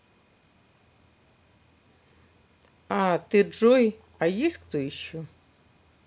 а ты джой а есть кто еще